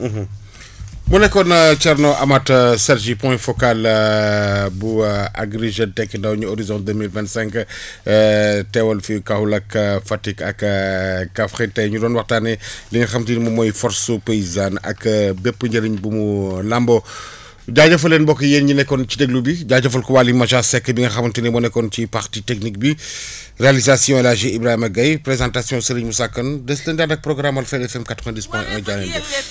mu nekkoon Thierno Amath Sadji point focal bu agri Jeune tekki ndaw ñi horizon deux mille vingt cinq teewal fi Kaolack Fatick ak Kaffrine tey ñu doon waxtaanee li nga xam te ni moom mooy force paysane ak bépp njëriñ bu mu làmboo jajëfal leen mbokk yi yéen ñi nekkoon ci déglu bi jaajëfal Waly Maja Seck bi nga xamante ni moo nekkoon ci partie technique bi réalisation El Hadj Ibrahima Guèye pr&ésentation Serigne Moussa Kane des leen di ànd ak programme Alfayda FM 90 point 1 jaa ngeen jëf